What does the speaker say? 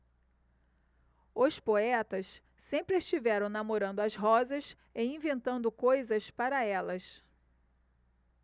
os poetas sempre estiveram namorando as rosas e inventando coisas para elas